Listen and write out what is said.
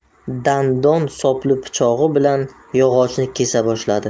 dandon sopli pichog'i bilan yog'ochni kesa boshladi